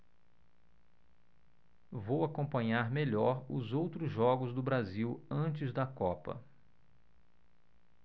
vou acompanhar melhor os outros jogos do brasil antes da copa